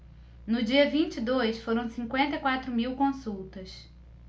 no dia vinte e dois foram cinquenta e quatro mil consultas